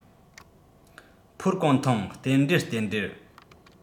ཕོར གང འཐུང རྟེན འབྲེལ རྟེན འབྲེལ